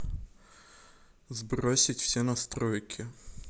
сбросить все настройки